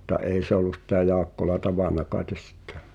mutta ei se ollut sitä Jaakkola tavannut kai sitten